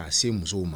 K'a se musow ma